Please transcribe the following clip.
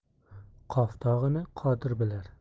qof tog'ini qodir bilar